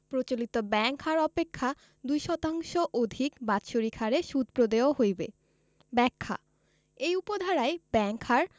প্রচলিত ব্যাংক হার অপেক্ষা ২% অধিক বাৎসরিক হারে সুদ প্রদেয় হইবে ব্যাখ্যা এই উপ ধারায় ব্যাংক হার